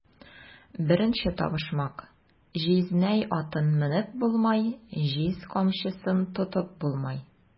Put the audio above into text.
Беренче табышмак: "Җизнәй атын менеп булмай, җиз камчысын тотып булмай!"